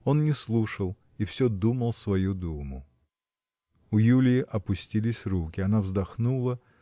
Он не слушал и все думал свою думу. У Юлии опустились руки. Она вздохнула